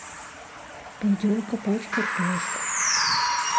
пойдем копать картошку